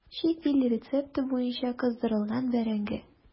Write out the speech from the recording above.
Чит ил рецепты буенча кыздырылган бәрәңге.